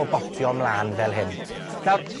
o botio mlan fel hyn. Nawr,